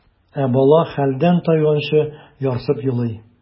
Ә бала хәлдән тайганчы ярсып елый.